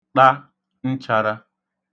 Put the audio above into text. ta nchārā